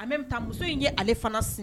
A bɛ muso in ye ale fana sen